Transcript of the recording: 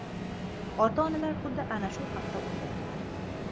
ota onalar xuddi ana shu haqda o'ylaydilar